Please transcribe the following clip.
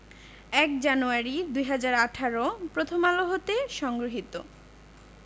০১ January ২০১৮ প্রথম আলো হতে সংগৃহীত